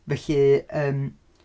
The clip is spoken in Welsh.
Felly yym...